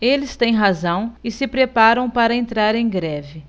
eles têm razão e se preparam para entrar em greve